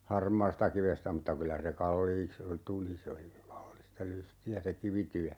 harmaastakivestä mutta kyllä se kalliiksi tuli se oli kallista lystiä se kivityö